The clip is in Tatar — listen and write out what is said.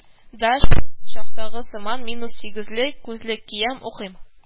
Да шул чактагы сыман минус сигезле күзлек киям, укыйм,